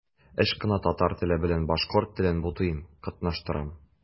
Еш кына татар теле белән башкорт телен бутыйм, катнаштырам.